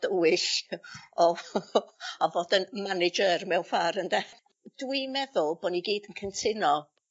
dywyll o o fod yn manager mewn ffor ynde? Dwi'n meddwl bo' ni gyd yn cyntuno